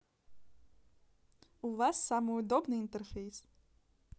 у вас самый удобный интерфейс